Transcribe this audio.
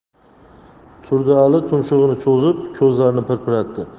turdiali tumshug ini cho'zib ko'zlarini